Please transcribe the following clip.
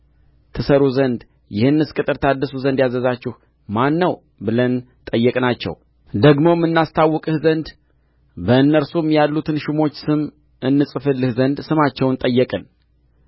ትሠሩ ዘንድ ይህንስ ቅጥር ታድሱ ዘንድ ያዘዛችሁ ማን ነው ብለን ጠየቅናቸው ደግሞም እናስታውቅህ ዘንድ በእነርሱም ያሉትን ሹሞች ስም እንጽፍልህ ዘንድ ስማቸውን ጠየቅን